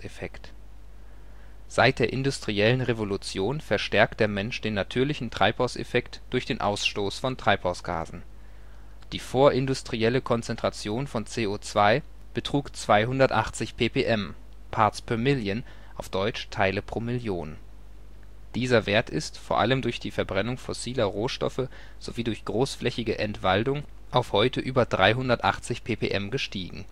Industriellen Revolution verstärkt der Mensch den natürlichen Treibhauseffekt durch den Ausstoß von Treibhausgasen. Die vorindustrielle Konzentration von CO2 betrug 280 ppm (parts per million, Teile pro Million). Dieser Wert ist, vor allem durch die Verbrennung fossiler Rohstoffe sowie durch großflächige Entwaldung, auf heute über 380 ppm gestiegen